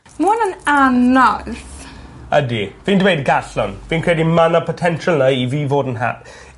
Ma' wnna'n anodd. Ydi. Fi'n dweud gallwn fi'n credu ma' 'na potential 'na i fi fod yn ha-